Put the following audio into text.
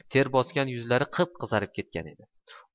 ter bosgan yuzlari qip qizarib ketgan edi